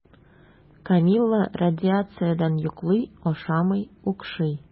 Камилла радиациядән йоклый, ашамый, укшый.